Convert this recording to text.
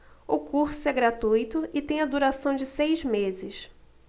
o curso é gratuito e tem a duração de seis meses